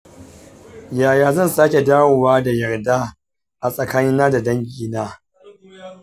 yaya zan sake dawo da yarda a tsakanina da dangina?